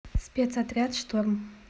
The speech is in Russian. спецотряд шторм